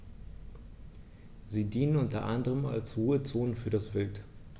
Sie dienen unter anderem als Ruhezonen für das Wild.